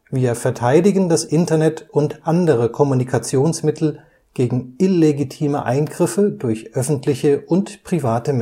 Wir verteidigen das Internet und andere Kommunikationsmittel gegen illegitime Eingriffe durch öffentliche und private